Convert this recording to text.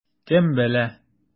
Кем белә?